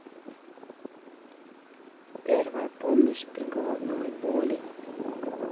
первая помощь при головной боли